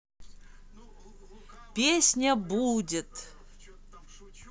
песня будет